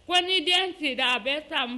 Ko ni den sera a bɛ sa